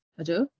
Ydw.